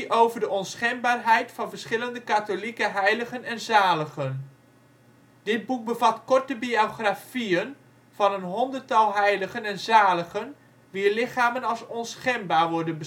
over de onschendbaarheid van verschillende katholieke heiligen en zaligen. Dit boek bevat korte biografieën van een honderdtal heiligen en zaligen wier lichamen als onschendbaar worden